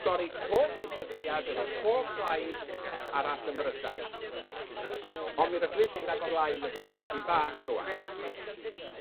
dorri pob cysylltiad efo pob plaid arall ym Mrydain, on' mi rydw i'n rhedag o flaen fy hun dipyn bach rŵan.